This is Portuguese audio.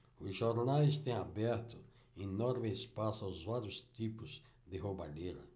os jornais têm aberto enorme espaço aos vários tipos de roubalheira